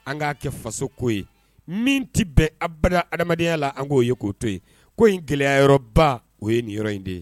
An k'a kɛ faso ko ye min tɛ bɛnbada adamadenyaya la an k'o ye ko to ye ko in gɛlɛya yɔrɔba o ye ninyɔrɔ in de ye